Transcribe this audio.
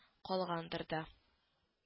Калгандыр да